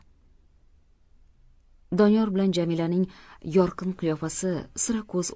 doniyor bilan jamilaning yorqin qiyofasi sira ko'z